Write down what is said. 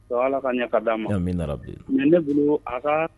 Ɔ ala ka ɲɛ ka di a ma min na bilen yan ne don a ka